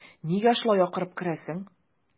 Нигә шулай акырып керәсең?